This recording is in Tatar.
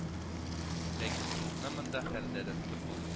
Ләкин сулыкны мондый хәлдә дә тотып булмый